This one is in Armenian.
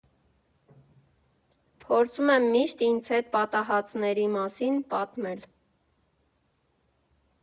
Փորձում եմ միշտ ինձ հետ պատահածների մասին պատմել։